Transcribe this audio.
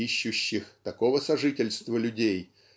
ищущих такого сожительства людей